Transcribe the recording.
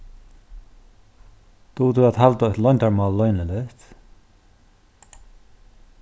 dugir tú at halda eitt loyndarmál loyniligt